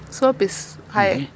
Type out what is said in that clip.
so pis xaye.